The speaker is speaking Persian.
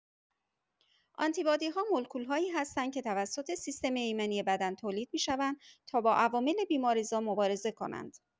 آنتی‌بادی‌ها مولکول‌هایی هستند که توسط سیستم ایمنی بدن تولید می‌شوند تا با عوامل بیماری‌زا مبارزه کنند.